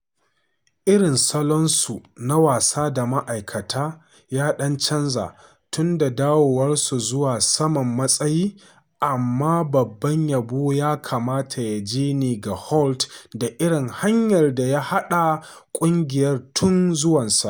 Irin salonsu na wasa da ma’aikata ya dan canza tun da dawowarsu zuwa saman matsayi, amma babban yabo ya kamata ya je ne ga Holt da irin hanyar da ya haɗa ƙungiyar tun zuwansa.